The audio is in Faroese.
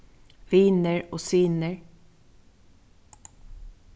vinir og synir